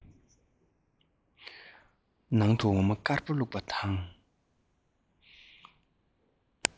ནང དུ འོ མ དཀར པོ བླུགས པ དང